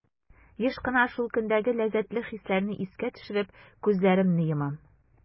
Еш кына шул көндәге ләззәтле хисләрне искә төшереп, күзләремне йомам.